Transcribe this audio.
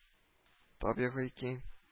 Табигый ки